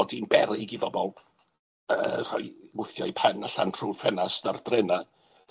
bod hi'n beryg i bobol yy rhoi mwthio 'u pen allan trw'r ffenast ar drena,